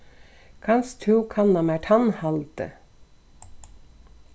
kanst tú kanna mær tannhaldið